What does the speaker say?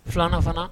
Filan fana